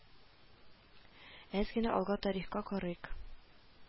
Әз генә алга тарихка карыйк